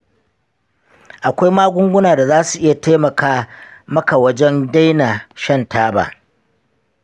akwai magunguna da zasu iya taimaka maka wajen daina shan taba.